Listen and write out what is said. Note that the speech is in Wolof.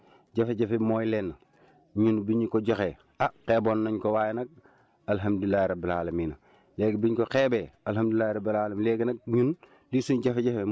tool yi nag ah gis nañ ci jafe-jafe jafe-jafe bi mooy lenn ñun buñ ñu ko joxee ah xeeboon nañ ko waaye nag alhamdulilah rabil alamina léegi biñ ko xeebee alhamdulilahi rabil alamin